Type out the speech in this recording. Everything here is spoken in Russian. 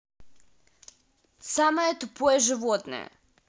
самое тупое животное